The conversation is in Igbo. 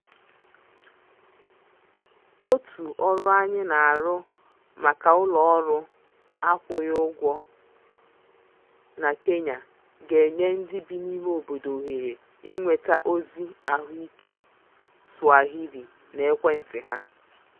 Otu ọrụ anyị na-arụ maka ụlọọrụ akwụghị ụgwọ na Kenya ga-enye ndị bi n'ime obodo ohere inweta ozi ahụike Swahili n'ekwentị ha.